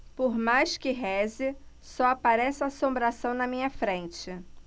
por mais que reze só aparece assombração na minha frente